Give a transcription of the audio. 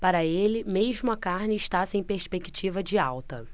para ele mesmo a carne está sem perspectiva de alta